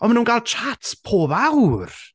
Ond maen nhw'n cael chats pob awr.